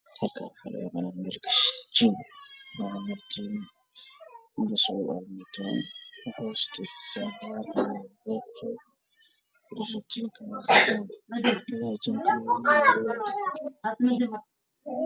Kani waa guri aad u qurux badan waxana yaalo fadhi midabkiisu yahay madow ismiidkiisuna waa cadaan